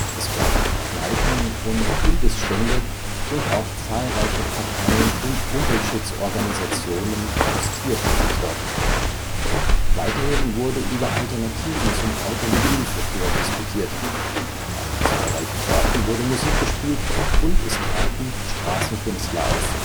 Es gab Kneipen - und Imbiss-Stände und auch zahlreiche Parteien und Umweltschutzorganisationen postierten sich dort. Weiterhin wurde über Alternativen zum Automobilverkehr diskutiert. An zahlreichen Orten wurde Musik gespielt und es traten Straßenkünstler auf